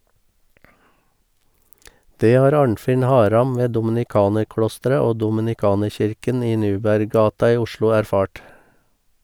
Det har Arnfinn Haram ved dominikanerklosteret og dominikanerkirken i Neuberggata i Oslo erfart.